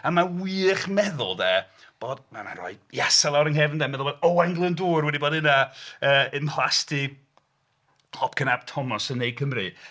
A mae'n wych meddwl 'de bod-mae'n rhoi iasau lawr yng nghefn i 'de, meddwl bod Owain Glyndŵr wedi bod yna yy yn mhlasty Hopcyn Ap Tomos yn Ne Cymru.